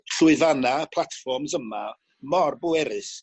llwyfanna y platforms yma mor bwerus